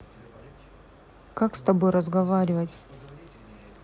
как с тобой разговаривать